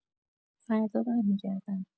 فردا برمی‌گردن